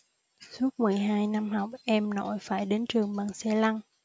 suốt mười hai năm học em nội phải đến trường bằng xe lăn